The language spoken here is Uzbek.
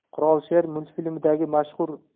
qirol sher multfilmidagi mashhur akuna